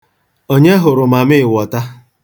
Onye hụrụ mamịịwọta?